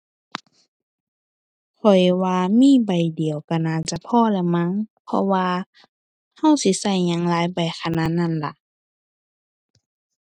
ข้อยว่ามีใบเดียวก็น่าจะพอละมั้ง เพราะว่าก็สิก็หยังหลายใบขนาดนั้นล่ะ